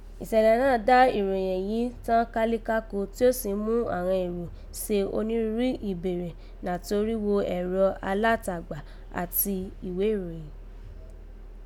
Ìṣẹ̀lẹ̀ náà dà ìròyẹ̀n yìí tàn kálékáko, tí ó sì ń mú àghan èrò se onírúurú ìbéèrè nàti orígho ẹ̀rọ alátagbà àti ìwé ìròyìn